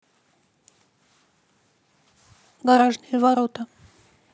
гаражные ворота